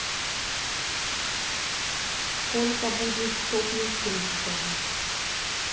сколько будет сто плюс триста